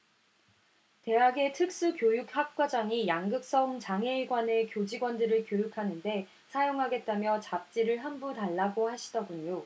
대학의 특수 교육학과장이 양극성 장애에 관해 교직원들을 교육하는 데 사용하겠다며 잡지를 한 부 달라고 하시더군요